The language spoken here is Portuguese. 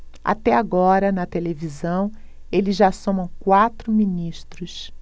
até agora na televisão eles já somam quatro ministros